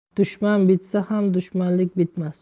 dushman bitsa ham dushmanlik bitmas